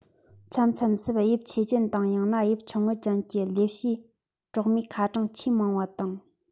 མཚམས མཚམས སུ དབྱིབས ཆེ ཅན དང ཡང ན དབྱིབས ཆུང ངུ ཅན གྱི ལས བྱེད གྲོག མའི ཁ གྲངས ཆེས མང བ དང